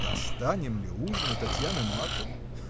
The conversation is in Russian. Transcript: — Достанем ли ужин у Татьяны Марковны?